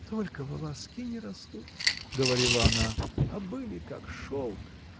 Только волоски не растут, – говорила она, – а были как шелк.